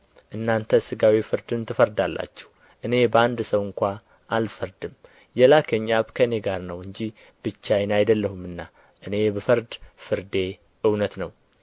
እናንተ ሥጋዊ ፍርድን ትፈርዳላችሁ እኔ በአንድ ሰው ስንኳ አልፈርድም የላከኝ አብ ከእኔ ጋር ነው እንጂ ብቻዬን አይደለሁምና እኔ ብፈርድ ፍርዴ እውነት ነው